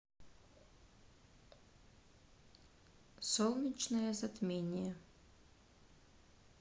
солнечное затмение